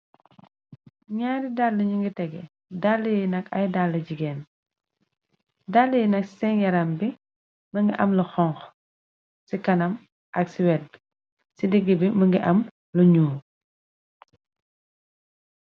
Nyaari dàll ñu ngi tege dall yi nak ay dàll jigéen dalla yi nak c seen yaram bi mënga am lu xong ci kanam ak ci wet ci digg bi mënga am lu ñuul.